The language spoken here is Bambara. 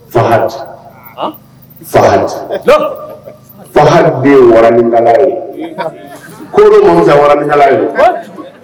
Fadi fadi fa den wara ye ko mɔnzɔnsa waranikalaka ye